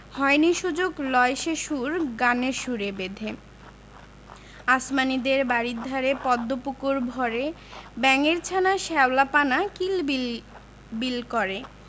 হয়নি সুযোগ লয় সে সুর গানের সুরে বেঁধে আসমানীদের বাড়ির ধারে পদ্ম পুকুর ভরে ব্যাঙের ছানা শ্যাওলা পানা কিল বিল বিল করে